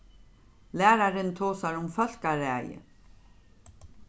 lærarin tosar um fólkaræði